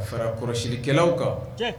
A fara kɔrɔsilikɛlaw kan